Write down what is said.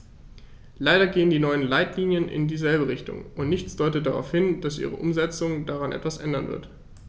Leider gehen die neuen Leitlinien in dieselbe Richtung, und nichts deutet darauf hin, dass ihre Umsetzung daran etwas ändern wird.